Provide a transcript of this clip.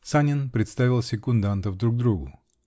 Санин представил секундантов друг другу.